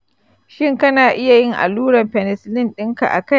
shin kana yin alluran penicillin ɗinka a kai-a-kai yadda likita ya tsara maka?